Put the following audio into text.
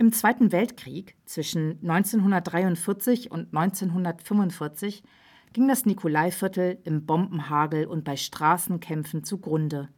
Zweiten Weltkrieg, zwischen 1943 und 1945, ging das Nikolaiviertel im Bombenhagel und bei Straßenkämpfen zugrunde